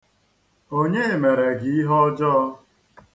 Onye mere gị ihe ọjọọ a?